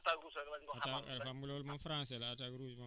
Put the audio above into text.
ah kon loolu amoo amul amul amagu leen ko tur daal